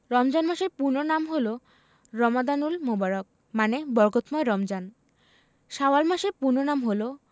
রমজান মাসের পূর্ণ নাম হলো রমাদানুল মোবারক মানে বরকতময় রমজান শাওয়াল মাসের পূর্ণ নাম হলো